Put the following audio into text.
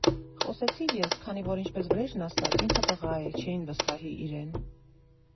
Խոսեցի ես, քանի որ ինչպես Վրեժն ասաց, ինքը տղա է՝ չէին վստահի իրեն։